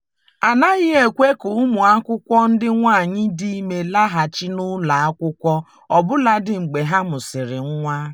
A naghị ekwe ka ụmụ akwụkwọ ndị nwaanyị dị ime laghachi n’ụlọ akwụkwọ ọbụladị mgbe ha mụsịrị nwa.